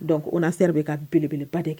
Donc ONASER bɛ ka belebeleba dɛ